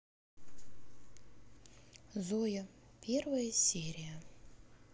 зоя первая серия